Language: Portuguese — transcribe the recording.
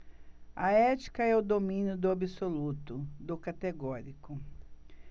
a ética é o domínio do absoluto do categórico